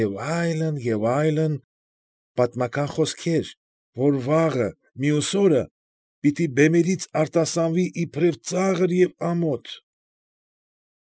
Եվ այլն, և այլն. պատմական խոսքեր, որ վաղը, մյուս օրը բեմերից պիտի արտասանվի իբրև ծաղր և ամոթ։